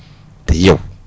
te yow